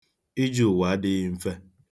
Ije ụwa adịghị mfe.